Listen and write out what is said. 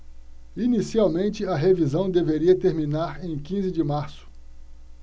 inicialmente a revisão deveria terminar em quinze de março